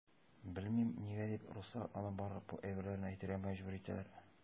Белмим, нигә дип руслар аны барлык бу әйберләрне әйтергә мәҗбүр итәләр.